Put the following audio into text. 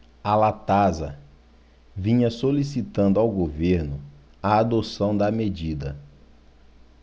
a latasa vinha solicitando ao governo a adoção da medida